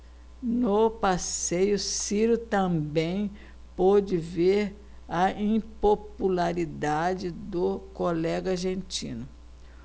no passeio ciro também pôde ver a impopularidade do colega argentino